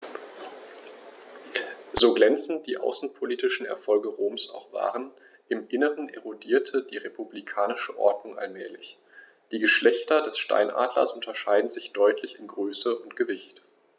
So glänzend die außenpolitischen Erfolge Roms auch waren: Im Inneren erodierte die republikanische Ordnung allmählich. Die Geschlechter des Steinadlers unterscheiden sich deutlich in Größe und Gewicht.